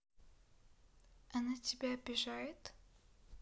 она тебя обижает